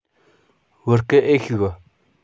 བོད སྐད ཨེ ཤེས གི